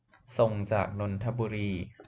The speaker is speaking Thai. ส่งจากนนทบุรี